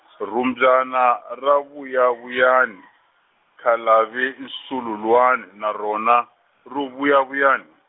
rhumbyana ro vuyavuyani, khalavi nsululwani na rona, ro vuyavuyani.